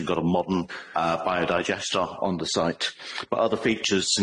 and got a modern yy biodigester on the site but other features